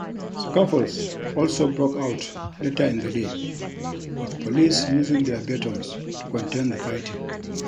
Scuffles also broke out later in the day with police using their batons to contain the fighting.